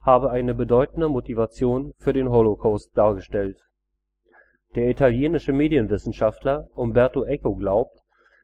habe eine bedeutende Motivation für den Holocaust dargestellt. Der italienische Medienwissenschaftler Umberto Eco glaubt,